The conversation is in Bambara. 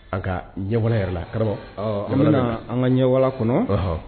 A ka ɲɛwala yɛrɛ la karamɔgɔ awɔ an bɛna an ŋa ɲɛwala kɔnɔ ɔhɔɔ